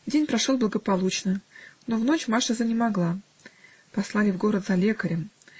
День прошел благополучно, но в ночь Маша занемогла. Послали в город за лекарем.